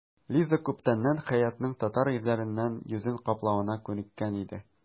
Лиза күптәннән Хәятның татар ирләреннән йөзен каплавына күнеккән иде.